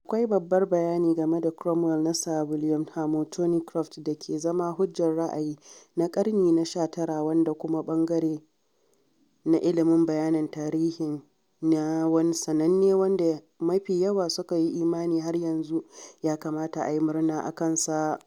Akwai babbar bayani game da Cromwell na Sir William Hamo Thorneycroft da ke zama hujjar ra’ayi na karni na 19 wanda kuma ɓangare na ilimin bayanan tarihin na wani sananne wanda mafi yawa suka yi imani har yanzu ya kamata a yi murna a kansa.